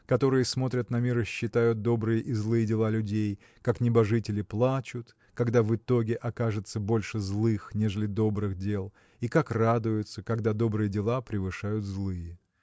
которые смотрят на мир и считают добрые и злые дела людей как небожители плачут когда в итоге окажется больше злых нежели добрых дел и как радуются когда добрые дела превышают злые.